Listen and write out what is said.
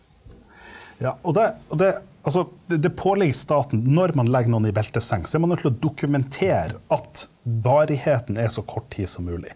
ja og det og det altså det påligger staten når man legger noen i belteseng, så er man nødt til å dokumentere at varigheten er så kort tid som mulig.